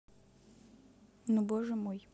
ну боже мой